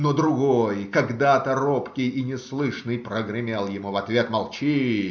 Но другой, когда-то робкий и неслышный, прогремел ему в ответ: - Молчи!